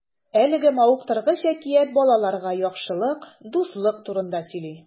Әлеге мавыктыргыч әкият балаларга яхшылык, дуслык турында сөйли.